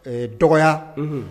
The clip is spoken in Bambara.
Ee dɔgɔya